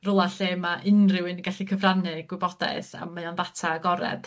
rwla lle ma' unrywun yn gallu cyfrannu gwybodaeth a mae o'n ddata agored.